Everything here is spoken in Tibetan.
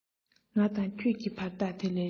ང དང ཁྱོད ཀྱི བར ཐག དེ ལས རིང